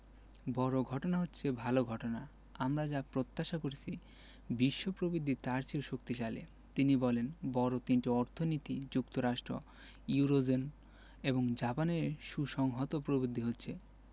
বড় ঘটনা হচ্ছে ভালো ঘটনা আমরা যা প্রত্যাশা করেছি বিশ্ব প্রবৃদ্ধি তার চেয়েও শক্তিশালী তিনি বলেন বড় তিনটি অর্থনীতি যুক্তরাষ্ট্র ইউরোজোন এবং জাপানের সুসংহত প্রবৃদ্ধি হচ্ছে